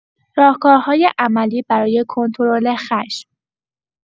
راهکارهای عملی برای کنترل خشم